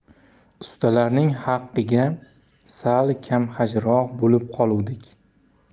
ustalarning haqiga sal kamxarjroq bo'lib qoluvdik